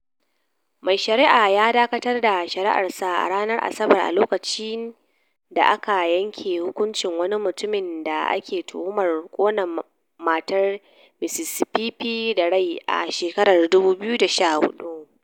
Mai Shari'ar ya dakatar da shari'arsa a ranar Asabar a lokacin da aka yanke hukuncin wani mutumin da ake tuhumar kone matar Mississippi da rai a shekarar 2014.